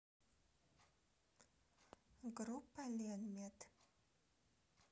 группа ленмед